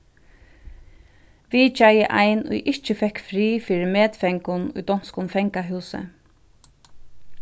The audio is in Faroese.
vitjaði ein ið ikki fekk frið fyri medfangum í donskum fangahúsi